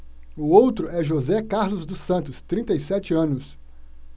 o outro é josé carlos dos santos trinta e sete anos